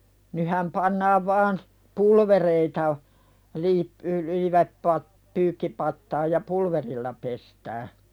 nythän pannaan vain pulvereita on ---- pyykkipataan ja pulverilla pestään